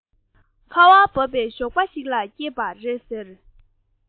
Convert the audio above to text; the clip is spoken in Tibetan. ཁ བ བབས པའི ཞོགས པ ཞིག ལ སྐྱེས པ རེད ཟེར